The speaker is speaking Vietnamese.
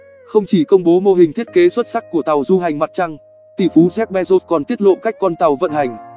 không chỉ công bố mô hình thiết kế xuất sắc của tàu du hành mặt trăng tỷ phú jeff bezos còn tiết lộ cách con tàu vận hành